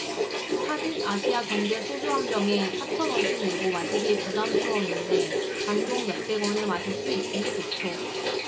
사진 아시아경제 소주 한 병에 사천 원씩 내고 마시기에 부담스러웠는데 단 돈 몇백 원에 마실 수 있으니 좋죠